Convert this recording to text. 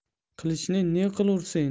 qilichni ne qilursen